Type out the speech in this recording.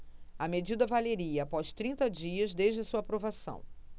a medida valeria após trinta dias desde a sua aprovação